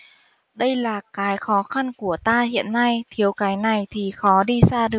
đây là cái khó khăn của ta hiện nay thiếu cái này thì khó đi xa được